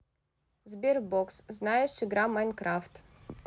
sberbox знаешь игра minecraft